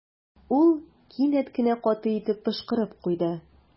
Ул кинәт кенә каты итеп пошкырып куйды.